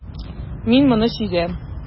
Мин моны сизәм.